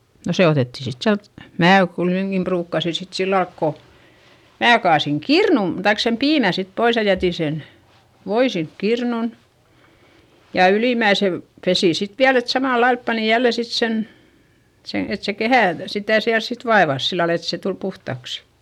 no se otettiin sitten sieltä minä kuitenkin ruukasin sitten sillä lailla kun minä kaadoin kirnun tai sen piimän sitten pois ja jätin sen voin sinne kirnuun ja ylimmäisellä pesin sitten vielä että samalla lailla panin jälleen sitten sen sen että se kehä sitä siellä sitten vaivasi sillä lailla että se tuli puhtaaksi